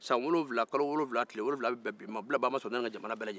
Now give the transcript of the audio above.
a san wolonwula kalo wolonwula tile wolonwula ye bi ye a bilabaa ma sɔrɔ ne ka jamana bɛɛ lajɛlen